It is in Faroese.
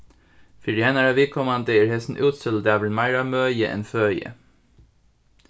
fyri hennara viðkomandi er hesin útsøludagurin meira møði enn føði